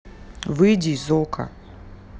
выйди из okko